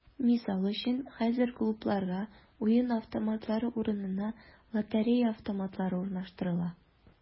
Мисал өчен, хәзер клубларга уен автоматлары урынына “лотерея автоматлары” урнаштырыла.